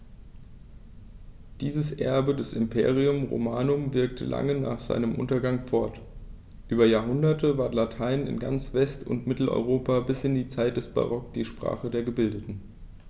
Dieses Erbe des Imperium Romanum wirkte lange nach seinem Untergang fort: Über Jahrhunderte war Latein in ganz West- und Mitteleuropa bis in die Zeit des Barock die Sprache der Gebildeten.